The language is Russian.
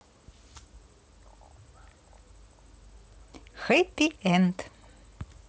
happy end